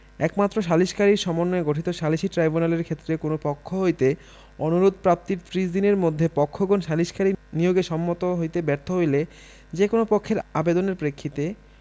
একমাত্র সালিকসারীর সমন্বয়ে গঠিত সালিসী ট্রাইব্যুনালের ক্ষেত্রে কোন পক্ষ হইতে অনুরোধ প্রাপ্তির ত্রিশ দিনের মধ্যে পক্ষগণ সালিসকারী নিয়োগে সম্মত হইতে ব্যর্থ হইলে যে কোন পক্ষের আবেদনের প্রেক্ষিতে